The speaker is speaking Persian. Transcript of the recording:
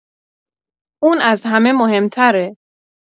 اون از همه مهم‌تره.